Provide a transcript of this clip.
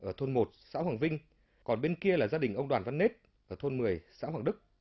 ở thôn một xã hoằng vinh còn bên kia là gia đình ông đoàn văn nết ở thôn mười xã hoằng đức